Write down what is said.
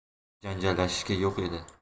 janjallashishga yo'q edi